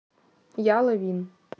я lovin